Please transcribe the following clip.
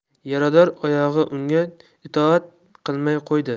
yarador oyog'i unga itoat qilmay qo'ydi